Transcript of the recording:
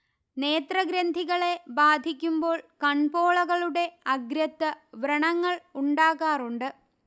നേത്രഗ്രന്ഥികളെ ബാധിക്കുമ്പോൾ കൺപോളകളുടെ അഗ്രത്ത് വ്രണങ്ങൾ ഉണ്ടാകാറുണ്ട്